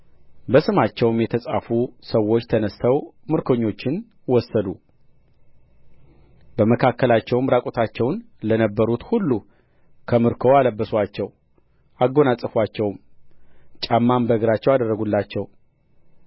በስማቸውም የተጻፉ ሰዎች ተነሥተው ምርኮኞቹን ወሰዱ በመካከላቸውም ራቁታቸውን ለነበሩት ሁሉ ከምርኮው አለበሱአቸው አጎናጸፉአቸውም ጫማም በእግራቸው አደረጉላቸው